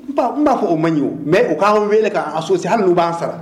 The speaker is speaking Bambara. N b'a fɔ' man ɲi mɛ u k'an wele k'a so saya ninnu b'ana sara